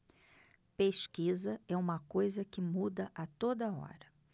pesquisa é uma coisa que muda a toda hora